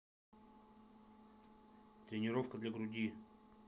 тренировка для груди